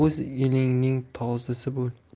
o'z elingning tozisi bo'l